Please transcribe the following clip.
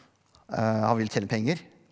han vil tjene penger.